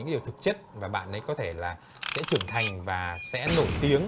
điều thực chất và bạn ấy có thể là sẽ trưởng thành và sẽ nổi tiếng